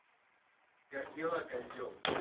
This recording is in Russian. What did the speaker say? как дела козел